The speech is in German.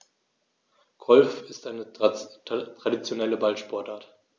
Golf ist eine traditionelle Ballsportart.